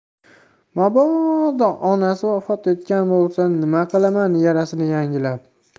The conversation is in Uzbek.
mabodo onasi vafot etgan bo'lsa nima qilaman yarasini yangilab